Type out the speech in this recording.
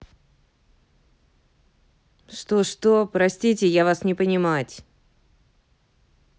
что что простите я вас не понимать